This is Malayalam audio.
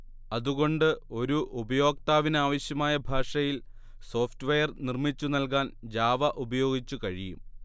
അതുകൊണ്ട് ഒരു ഉപയോക്താവിനാവശ്യമുള്ള ഭാഷയിൽ സോഫ്റ്റ്വെയർ നിർമ്മിച്ചു നൽകാൻ ജാവ ഉപയോഗിച്ചു കഴിയും